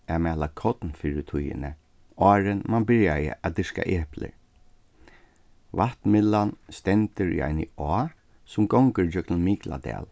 at mala korn fyrr í tíðini áðrenn man byrjaði at dyrka eplir vatnmylnan stendur í eini á sum gongur gjøgnum mikladal